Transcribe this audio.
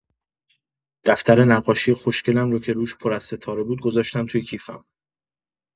دفتر نقاشی خوشگلم رو که روش پر از ستاره بود گذاشتم توی کیفم.